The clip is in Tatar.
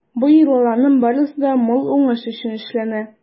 Бу йолаларның барысы да мул уңыш өчен эшләнә.